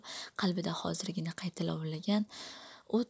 qalbida hozirgina qayta lovillagan o't